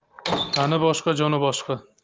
tani boshqaning joni boshqa